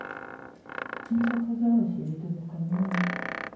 мне показалось или ты быканула